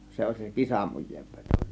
se oli se kisamujeen veto